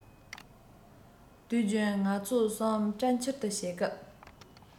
དུས རྒྱུན ང ཚོ གསུམ པྲ ཆལ འདྲ བྱེད སྐབས